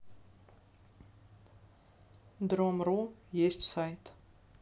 dromru есть сайт